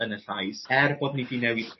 yn y llais er bod ni 'di newid